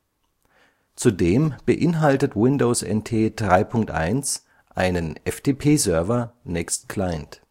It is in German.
Zudem beinhaltet Windows NT 3.1 einen FTP-Server nebst Client